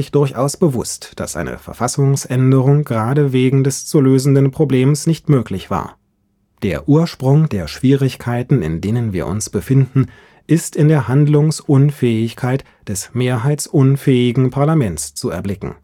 durchaus bewusst, dass eine Verfassungsänderung gerade wegen des zu lösenden Problems nicht möglich war: „ Der Ursprung der Schwierigkeiten, in denen wir uns befinden, ist in der Handlungsunfähigkeit des mehrheitsunfähigen Parlaments zu erblicken